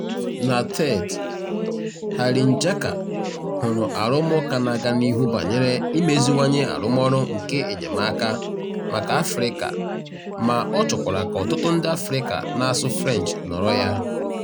Na TED, Harinjaka hụrụ arụmụka na-aga n'ihu banyere imeziwanye arụmọrụ nke enyemaka maka Afrịka ma ọ chọkwara ka ọtụtụ ndị Afrịka na-asụ French nọrọ ya.